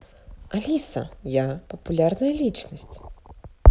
алиса я популярная личность